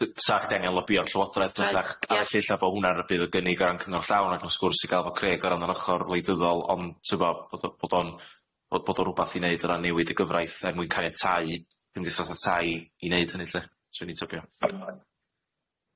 D- sa chdi angan lobïo'r Llywodraeth dwi'n sach- arallu ella bo' hwnna'n rybudd o gynnig o ran cyngor llawn agnos gwrs i ga'l fo' Craig o ran o'r ochor wleidyddol ond t'wbo' bod o bod o'n bo' bod o rwbath i neud yn ran newid y gyfraith er mwyn cariatáu cymdeithasa tai i neud hynny lly swn i'n tybio.